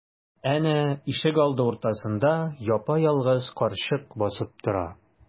Әнә, ишегалды уртасында япа-ялгыз карчык басып тора.